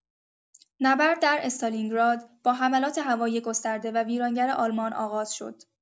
نبرد در استالینگراد با حملات هوایی گسترده و ویرانگر آلمان آغاز شد.